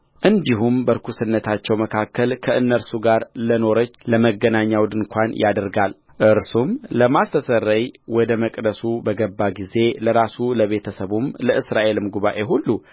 እንዲሁም በርኩስነታቸው መካከል ከእነርሱ ጋር ለኖረች ለመገናኛው ድንኳን ያደርጋልእርሱም ለማስተስረይ ወደ መቅደሱ በገባ ጊዜ ለራሱ ለቤተ ሰቡም ለእስራኤል ጉባዔ ሁሉ